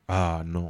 Aa nɔ